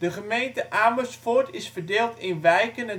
gemeente Amersfoort is verdeeld in wijken